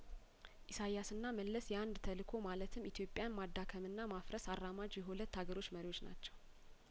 ኢሳያስና መለስ የአንድ ተልእኮ ማለትም ኢትዮጵያን ማዳከምና ማፍረስ አራማጅ የሁለት አገሮች መሪዎች ናቸው